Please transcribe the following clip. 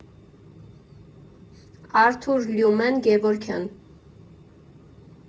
Արթուր Լյումեն Գևորգյան։